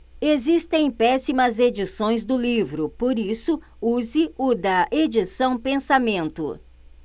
existem péssimas edições do livro por isso use o da edição pensamento